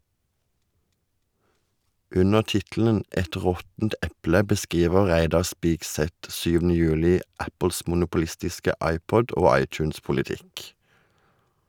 Under tittelen "Et råttent eple" beskriver Reidar Spigseth 7. juli Apples monopolistiske iPod- og iTunes-politikk.